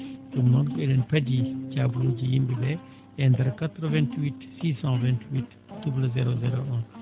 ɗum nnon eɗen padi jaabuweeji yimɓe ɓe e ndeer 88 628 00 01